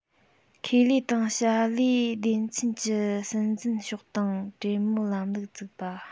ཁེ ལས དང བྱ ལས སྡེ ཚན གྱི སྲིད འཛིན ཕྱོགས དང གྲོས མོལ ལམ ལུགས བཙུགས པ